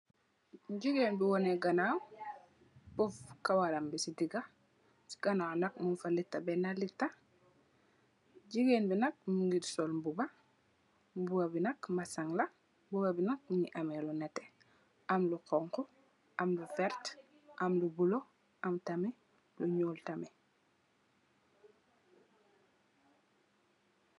Jigéen bu wane ganaaw, poffé kawaram bi si diggë, si ganaaw nak, muñ fa def beenë leetë, jigéen bi nak, mu ngi sol mbuba. Mbuba bi nak, mbessenge, mbuba bi nak..am lu xoñxu, am lu werta, am lu bulo, am tamit, lu ñuul tamit.